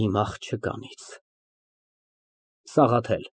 Իմ աղջկանից։ ՍԱՂԱԹԵԼ ֊